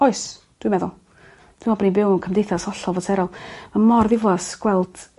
Oes dwi'n meddwl. Dwi'n me'wl bo' ni'n byw yn cymdeithas hollol faterol ma' mor ddiflas gwelt